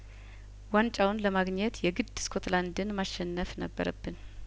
ዋንጫውን ለማግኘት የግድ ስኮትላንድን ማሸነፍ ነበረብን